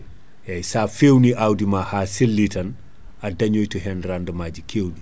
eyyi sa fewni awdi ma ha selli tan a dañoytu hen rendement ji kewɗi